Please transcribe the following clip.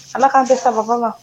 Allah k'an bɛn sabaaba ma.